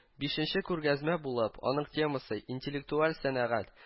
Бишенче күргәзмә булып, аның темасы - “интеллектуаль сәнәгать”